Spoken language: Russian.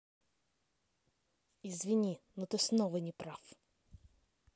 извини но ты снова неправ